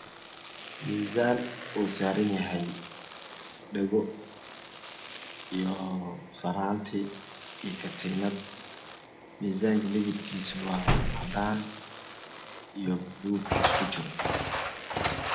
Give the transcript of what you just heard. Misaan uu saran yahay dhago iyo faranti iyo katiinad misaanka midabkiisa waa cadaan iyo bulug isku jiro